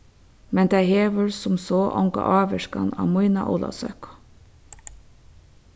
men tað hevur sum so onga ávirkan á mína ólavsøku